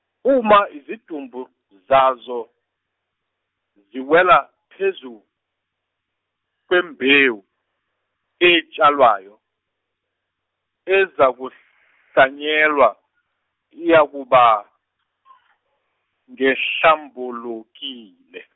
uma izidumbu zazo, ziwela phezu, kwembewu etshalwayo, ezakuhlanyelwa iyakuba , ngehlambulukile.